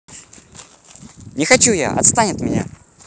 не хочу я отстань от меня